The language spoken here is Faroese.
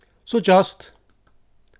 síggjast